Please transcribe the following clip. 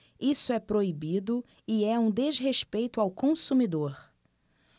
isso é proibido e é um desrespeito ao consumidor